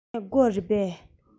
འདི སྒོ རེད པས